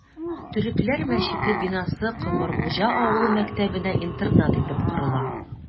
Төрекләр мәчете бинасы Комыргуҗа авылы мәктәбенә интернат итеп корыла...